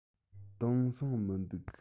དེང སང མི འདུག